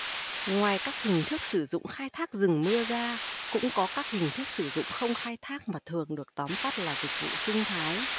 ngoài các hình thức sử dụng khai thác rừng mưa ra cũng có các hình thức sử dụng không khai thác mà thường được tóm tắt là dịch vụ sinh thái